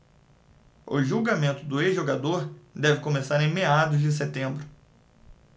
o julgamento do ex-jogador deve começar em meados de setembro